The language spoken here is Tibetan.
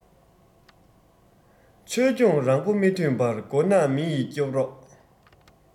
ཆོས སྐྱོང རང མགོ མི ཐོན པར མགོ ནག མི ཡི སྐྱོབ རོག